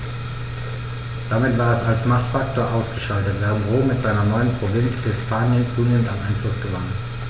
Damit war es als Machtfaktor ausgeschaltet, während Rom mit seiner neuen Provinz Hispanien zunehmend an Einfluss gewann.